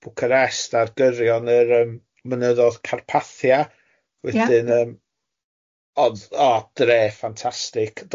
Bucharest a'r gyrion yr yym mynyddodd Carpathia... Ia. wedyn yym odd o dre ffantastig.